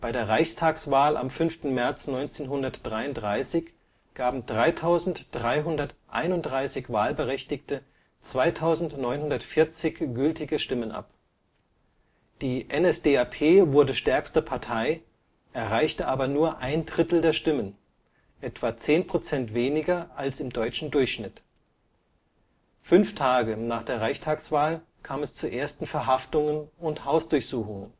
der Reichstagswahl am 5. März 1933 gaben 3331 Wahlberechtigte 2940 gültige Stimmen ab. Die NSDAP wurde stärkste Partei, erreichte aber nur ein Drittel der Stimmen, etwa 10 % weniger als im deutschen Durchschnitt. Fünf Tage nach der Reichstagswahl kam es zu ersten Verhaftungen und Hausdurchsuchungen